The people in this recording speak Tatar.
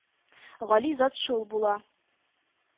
Гали зат шул була...